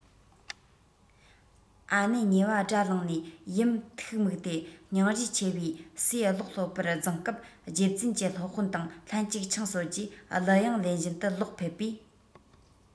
ཨ ནེའི ཉེ བ དགྲར ལངས ནས ཡུམ ཐུགས མུག སྟེ སྙིང རུས ཆེ བའི སྲས ཀློག སློབ པར བརྫངས སྐབས རྗེ བཙུན གྱིས སློབ དཔོན དང ལྷན ཅིག ཆང གསོལ རྗེས གླུ དབྱངས ལེན བཞིན དུ ལོག ཕེབས པས